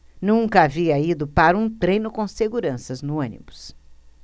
nunca havia ido para um treino com seguranças no ônibus